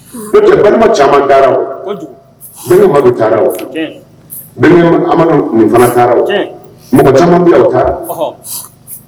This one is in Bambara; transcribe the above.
N'o tɛ balimama caaman taara o kokugu, bɛnkɛ, Madu taara o, bɛnkɛ Amadu fana taaraw, mɔgɔ caman bɛ taara, ɔhɔ